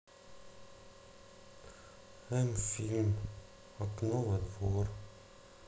м фильм окно во двор